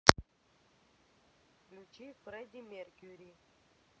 включи фредди меркьюри